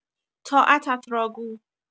طاعتت را گو